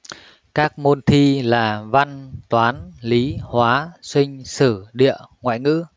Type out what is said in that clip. các môn thi là văn toán lý hóa sinh sử địa ngoại ngữ